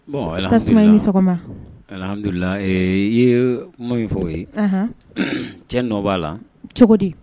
Bon ɛlhamdulila Tasuma i ni sɔgɔma ɛlhamdulila ee i ye kuma min fɔ o ye anhan cɛ nɔ b'a la cogodi